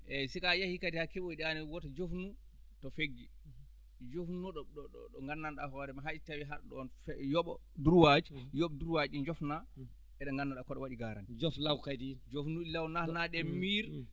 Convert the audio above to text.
eeyi si ko a yahii kadi haa keɓoyɗaa ne woto joofnu to feggi jofnu ɗo ɗo ngandanɗaa hoore maa hay so tawii haɗa ɗoon yoɓa droit ji yoɓ droit ji ɗi jofna eɗe ngannduɗaa koɗa waɗi garanti jof law kadi jofnuɗi law naatnaaɗi e mûre